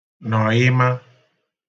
nọyịma